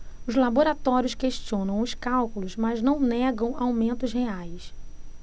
os laboratórios questionam os cálculos mas não negam aumentos reais